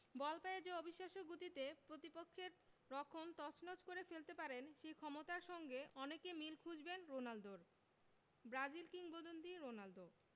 বল পায়ে যে অবিশ্বাস্য গতিতে প্রতিপক্ষের রক্ষণ তছনছ করে ফেলতে পারেন সেই ক্ষমতার সঙ্গে অনেকে মিল খুঁজবেন রোনালদোর ব্রাজিল কিংবদন্তি রোনালদো